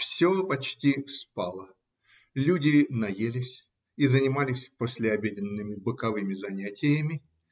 Все почти спало: люди наелись и занимались послеобеденными боковыми занятиями